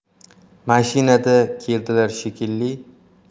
mashinada keldilar shekilli